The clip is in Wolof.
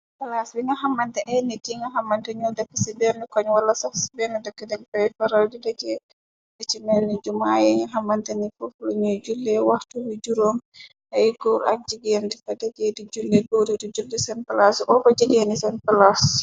Palas bi nga xamante ay nit yi nga xamante ñu dakk ci benn koñ wala sax benn dëkk, denyu koy faral di dajee ni ci melni jumaayee ñe xamante ni fofuula ñuy jullee waxtu bu juróom yi. Ay góor ak jigeen di fa daje di julle, goori du julle sen palas ak jigeen ni sen palas.